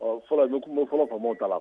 Ɔ fɔlɔ bɛ kungo fɔlɔ ka ta